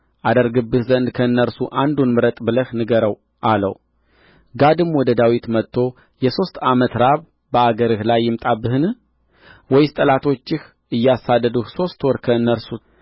አደርግብህ ዘንድ ከእነርሱ አንዱን ምረጥ ብለህ ንገረው አለው ጋድም ወደ ዳዊት መጥቶ የሦስት ዓመት ራብ በአገርህ ላይ ይምጣብህን ወይስ ጠላቶችህ እያሳደዱህ ሦስት ወር ከእነርሱ